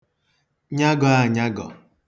nyagọ̄ ānyāgọ̄